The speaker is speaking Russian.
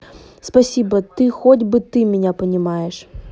спасибо ты хоть бы ты меня понимаешь